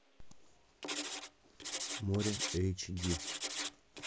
море эйч ди